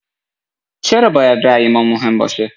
چرا باید رای ما مهم باشه؟